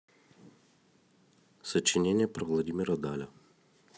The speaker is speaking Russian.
сочинение про владимира даля